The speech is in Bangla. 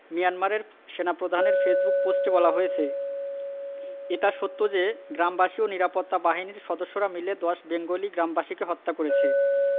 মিয়ানমারের সেনাপ্রধানের ফেসবুক পোস্টে বলা হয়েছে এটা সত্য যে গ্রামবাসী ও নিরাপত্তা বাহিনীর সদস্যরা মিলে ১০ বেঙ্গলি গ্রামবাসী হত্যা করেছে